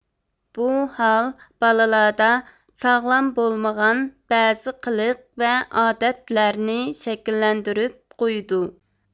بۇ ھال بالىلاردا ساغلام بولمىغان بەزى قىلىق ۋە ئادەتلەرنى شەكىللەندۈرۈپ قويىدۇ